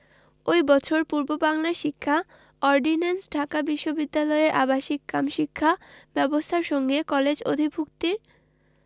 ওই বছর পূর্ববাংলার শিক্ষা অর্ডিন্যান্স ঢাকা বিশ্ববিদ্যালয়ের আবাসিক কাম শিক্ষা ব্যবস্থার সঙ্গে কলেজ অধিভুক্তির